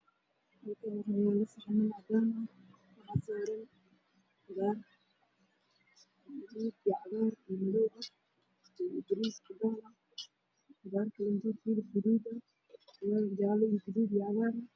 Meeshaan waxaa yaalo saxaman cadaan ah waxaa saaran qudaar gaduud, cagaar iyo madow ah, bariis fiyool iyo qudaar kaloo gaduud ah iyo cagaar ah.